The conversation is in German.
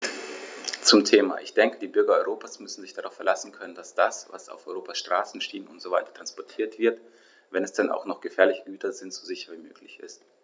Zum Thema: Ich denke, die Bürger Europas müssen sich darauf verlassen können, dass das, was auf Europas Straßen, Schienen usw. transportiert wird, wenn es denn auch noch gefährliche Güter sind, so sicher wie möglich ist.